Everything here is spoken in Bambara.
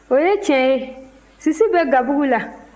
o ye tiɲɛ ye sisi bɛ gabugu la